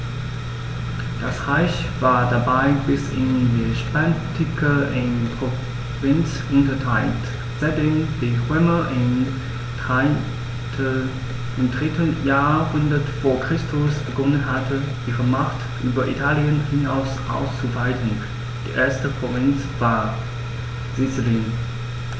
Das Reich war dabei bis in die Spätantike in Provinzen unterteilt, seitdem die Römer im 3. Jahrhundert vor Christus begonnen hatten, ihre Macht über Italien hinaus auszuweiten (die erste Provinz war Sizilien).